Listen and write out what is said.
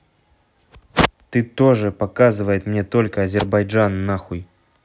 ты тоже показывает мне только азербайджан нахуй